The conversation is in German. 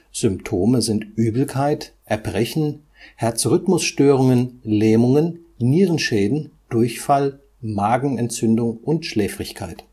Symptome sind Übelkeit, Erbrechen, Herzrhythmusstörungen, Lähmungen, Nierenschäden, Durchfall, Magenentzündung, Schläfrigkeit